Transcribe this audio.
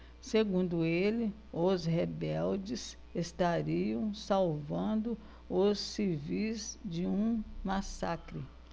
segundo ele os rebeldes estariam salvando os civis de um massacre